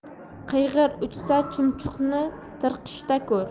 qiyg'ir uchsa chumchuqni tirqishda ko'r